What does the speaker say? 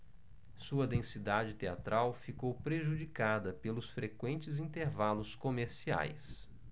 sua densidade teatral ficou prejudicada pelos frequentes intervalos comerciais